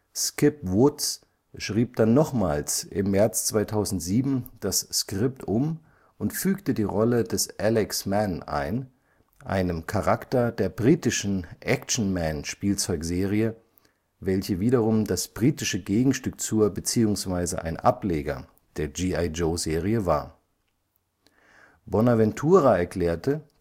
Skip Woods schrieb dann nochmals im März 2007 das Skript um und fügte die Rolle des Alex Mann ein, einem Charakter der britischen „ Action Man “- Spielzeugserie (welche wiederum das britische Gegenstück zur bzw. ein Ableger der „ G.I. Joe “- Serie war). Bonaventura erklärte